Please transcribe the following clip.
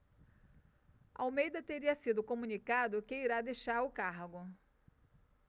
almeida teria sido comunicado que irá deixar o cargo